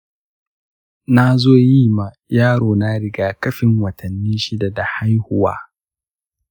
nazo yi ma yaro na rigakafin watanni shida da haihuwa